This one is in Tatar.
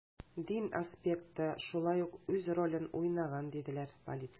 Дин аспекты шулай ук үз ролен уйнаган, диделәр полициядә.